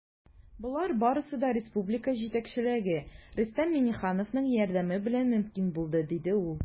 Болар барысы да республика җитәкчелеге, Рөстәм Миңнеханов, ярдәме белән мөмкин булды, - диде ул.